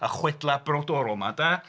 Y Chwedlau Brodorol 'ma 'de.